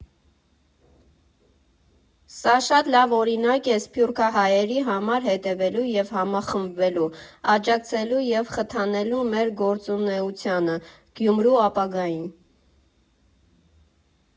Սա շատ լավ օրինակ է սփյուռքահայերի համար հետևելու և համախմբվելու, աջակցելու և խթանելու մեր գործունեությանը՝ Գյումրու ապագային։